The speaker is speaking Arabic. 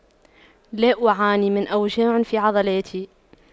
لا أعاني من أوجاع في عضلاتي